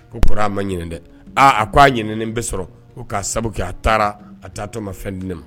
Koɔr a ma ɲinin dɛ aa a k ko a ɲen bɛ sɔrɔ ko k'a sababu kɛ a taara a taa to ma fɛn di ne ma